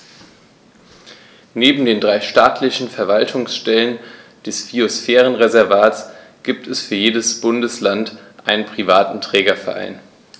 Neben den drei staatlichen Verwaltungsstellen des Biosphärenreservates gibt es für jedes Bundesland einen privaten Trägerverein.